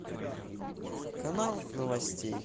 канал новостей